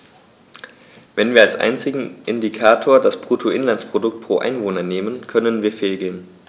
Wenn wir als einzigen Indikator das Bruttoinlandsprodukt pro Einwohner nehmen, können wir fehlgehen.